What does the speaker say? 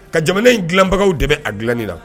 Ka jamana in dilanbagaw de bɛ a dilanni na